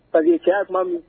Paseke' tuma min